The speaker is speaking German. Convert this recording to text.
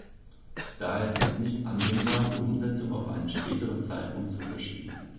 Daher ist es nicht annehmbar, die Umsetzung auf einen späteren Zeitpunkt zu verschieben.